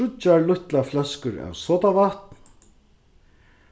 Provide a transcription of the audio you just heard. tríggjar lítlar fløskur av sodavatn